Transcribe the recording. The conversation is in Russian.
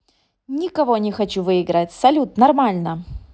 никого не хочу выиграть салют нормально